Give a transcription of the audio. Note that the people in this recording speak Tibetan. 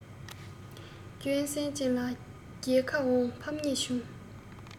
སྐྱོ སུན ཅན ལ རྒྱལ ཁ འོང ཕམ ཉེས བྱུང